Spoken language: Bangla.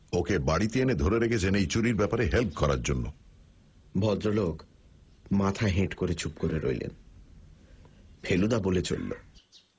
ওকে বাড়িতে এনে ধরে রেখেছেন এই চুরির ব্যাপারে হেল্প করার জন্য ভদ্রলোক মাথা হেঁট করে চুপ করে রইলেন ফেলুদা বলে চলল